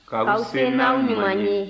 k'aw se n'aw ɲuman ye